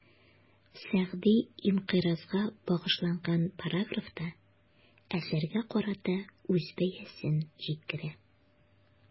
Сәгъди «инкыйраз»га багышланган параграфта, әсәргә карата үз бәясен җиткерә.